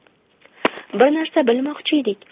bir narsani bilmoqchiydik